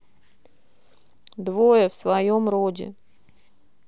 двое в своем роде